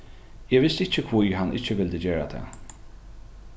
eg visti ikki hví hann ikki vildi gera tað